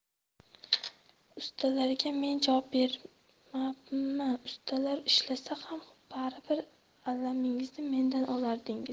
ustalarga men javob beribmanmi ustalar ishlasa ham baribir alamingizni mendan olardingiz